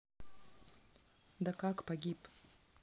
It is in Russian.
да как погиб